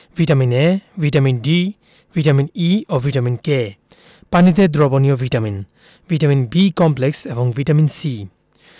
vitamin A vitamin D vitamin E ও vitamin K পানিতে দ্রবণীয় ভিটামিন ভিটামিন বি কমপ্লেক্স এবং ভিটামিন সি